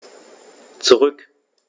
Zurück.